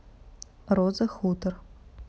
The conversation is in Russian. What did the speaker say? роза хутор